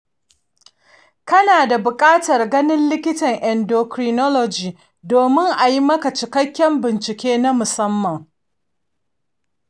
kana buƙatar ganin likitan endocrinology domin a yi maka cikakken bincike na musamman.